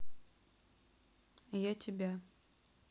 я тебя